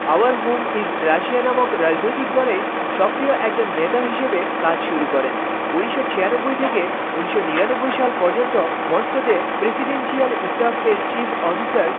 hour home is Russia নামক রাজনৈতিক দলের সক্রিয় একজন নেতা হিসেবে কাজ শুরু করেন হাজার ১৯৯৬ থেকে ১৯৯৯ সাল পর্যন্ত মস্কোতে প্রেসিডেনশিয়াল স্টাফ অফিসার এর চিফ অফিসার